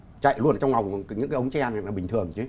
chạy luôn ở trong lòng những cái ống tre này là bình thường chứ